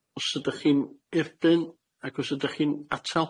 Os ydach chi'n erbyn, ac os ydach chi'n atal.